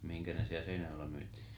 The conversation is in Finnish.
mihin ne siellä Seinäjoella myytiin